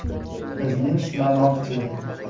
bizning sinamoqchi